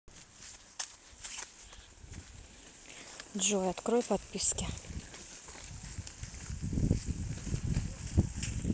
джой открой подписки